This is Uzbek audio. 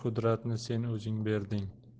qudratni sen o'zing berding